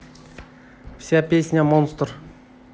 вся песня монстр